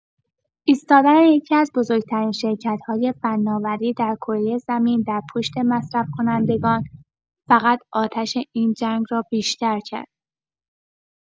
ایستادن یکی‌از بزرگ‌ترین شرکت‌های فناوری در کره زمین در پشت مصرف کنندگان، فقط آتش این جنگ را بیشتر کرد.